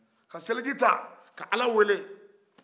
ka seli jita ka ala welen